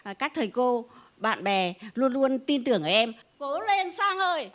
và các thầy cô bạn bè luôn luôn tin tưởng ở em cố lên sang ơi